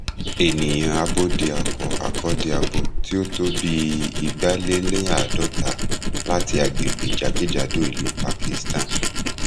Ènìyàn Abódiakọ-akọ́diabo tí ó tó bí 250 láti agbègbè jákèjádò ìlú Pakistan.